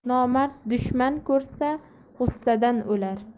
nomard dushman ko'rsa g'ussadan o'lar